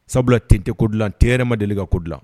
Sabula t tɛ ko dilan tɛma deli ka ko dilan